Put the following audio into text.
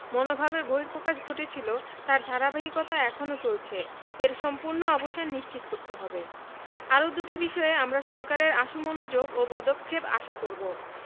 মনোভাবের বহিঃপ্রকাশ ঘটেছিল তার ধারাবাহিকতা এখনো চলছে এর সম্পূর্ণ অবসান নিশ্চিত করতে হবে আরও দুটি বিষয়ে আমরা সরকারের আশু মনোযোগ ও পদক্ষেপ আশা করব